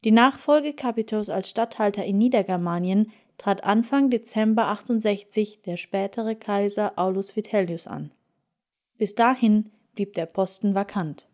Nachfolge Capitos als Statthalter in Niedergermanien trat Anfang Dezember 68 der spätere Kaiser Aulus Vitellius an. Bis dahin blieb der Posten vakant